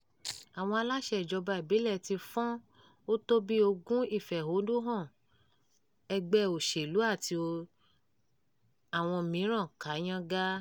Àwọn aláṣẹ ìjọba ìbílẹ̀ ti fọ́n ó tó bíi ogún ìfèhònúhàn ẹgbẹ́ òṣèlú àti àwọn mìíràn ká yángá.